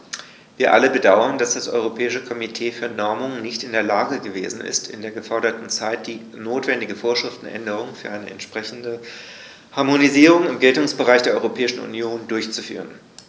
Wir alle bedauern, dass das Europäische Komitee für Normung nicht in der Lage gewesen ist, in der geforderten Zeit die notwendige Vorschriftenänderung für eine entsprechende Harmonisierung im Geltungsbereich der Europäischen Union durchzuführen.